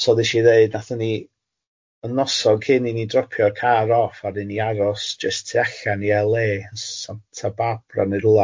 So ddes i ddweud wnaethon ni y noson cyn i ni dropio'r car off aru ni aros jyst tu allan i El Ay yn Santa Barbara neu rwla.